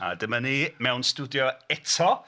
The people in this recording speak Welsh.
A dyma ni mewn stwdio eto.